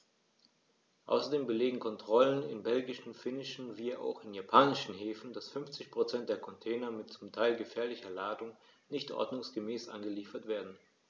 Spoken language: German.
Außerdem belegen Kontrollen in belgischen, finnischen wie auch in japanischen Häfen, dass 50 % der Container mit zum Teil gefährlicher Ladung nicht ordnungsgemäß angeliefert werden.